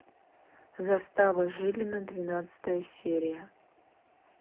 застава жилина двенадцатая серия